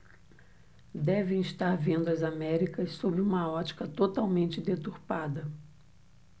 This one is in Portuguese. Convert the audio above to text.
devem estar vendo as américas sob uma ótica totalmente deturpada